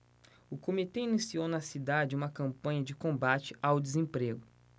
o comitê iniciou na cidade uma campanha de combate ao desemprego